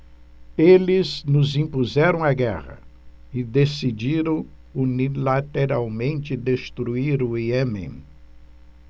eles nos impuseram a guerra e decidiram unilateralmente destruir o iêmen